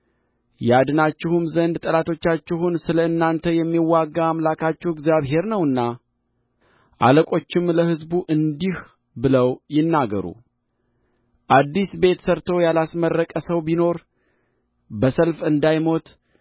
ያድናችሁም ዘንድ ጠላቶቻችሁን ስለ እናንተ የሚወጋ አምላካችሁ እግዚአብሔር ነውና አለቆችም ለሕዝቡ እንዲህ ብለው ይናገሩ አዲስ ቤት ሠርቶ ያላስመረቀ ሰው ቢኖር በሰልፍ እንዳይሞት